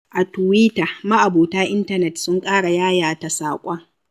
A Tuwita, ma'abota intanet sun ƙara yayata saƙon.